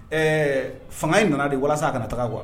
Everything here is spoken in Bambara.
Ɛɛ fanga in nana de walasa ka kana taa kuwa